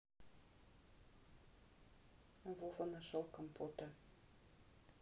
вова нашел компота